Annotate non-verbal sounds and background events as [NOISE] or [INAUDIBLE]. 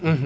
[HESITATION] [HESITATION]